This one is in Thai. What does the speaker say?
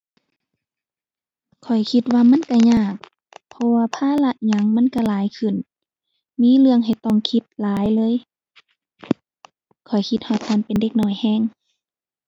ข้อยคิดว่ามันก็ยาก เพราะว่าภาระหยังมันก็หลายขึ้น มีเรื่องให้ต้องคิดหลายเลย ข้อยคิดฮอดตอนเป็นเด็กน้อยก็